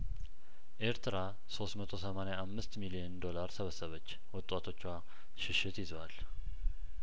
ኤርትራ ሶስት መቶ ሰማኒያ አምስት ሚሊየን ዶላር ሰበሰበች ወጣቶቿ ሽሽት ይዘዋል